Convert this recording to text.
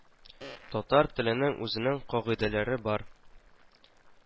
Татар теленең үзенең кагыйдәләре бар